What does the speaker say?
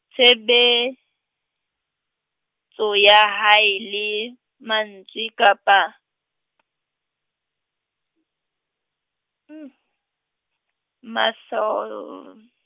tshebetso ya hae, le mantswe, kapa , maso- .